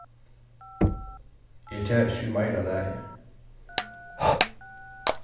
er tað ikki í meira lagi